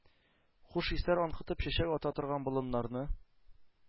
Хуш исләр аңкытып чәчәк ата торган болыннарны,